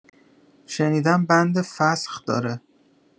شنیدم بند فسخ داره